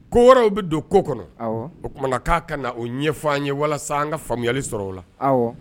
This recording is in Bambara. Ko wɔɔrɔw bɛ don ko kɔnɔ oumana k'a ka na o ɲɛ ɲɛfɔ an ye walasa an ka faamuyayali sɔrɔ o la